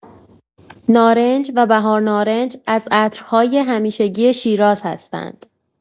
نارنج و بهارنارنج از عطرهای همیشگی شیراز هستند.